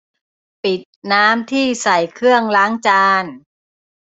ปิดน้ำที่ใส่เครื่องล้างจาน